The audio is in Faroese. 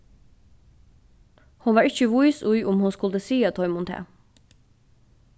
hon var ikki vís í um hon skuldi siga teimum tað